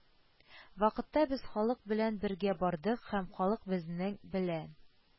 Вакытта без халык белән бергә бардык һәм халык безнең белән